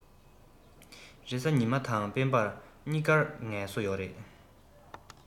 རེས གཟའ ཉི མར དང སྤེན པ གཉིས ཀར སལ གསོ ཡོད རེད